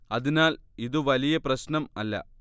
അതിനാൽ ഇതു വലിയ പ്രശ്നം അല്ല